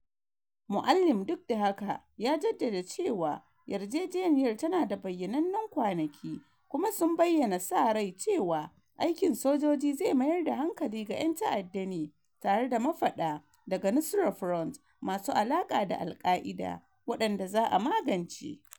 Moualem duk da haka ya jadadda cewa yarjejeniyar ta na da “bayyanannen kwanaki” kuma sun bayyana sa rai cewa aikin sojoji zai mayar da hankali ga ‘yan ta’adda ne tare da mafaɗa daga Nusra Front masu alaka da Al-Qaeda, waɗanda “za’a magance.”